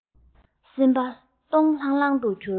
སེམས པ སྟོང ལྷང ལྷང དུ གྱུར